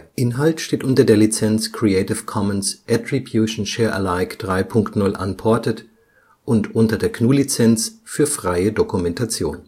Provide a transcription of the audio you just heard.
Inhalt steht unter der Lizenz Creative Commons Attribution Share Alike 3 Punkt 0 Unported und unter der GNU Lizenz für freie Dokumentation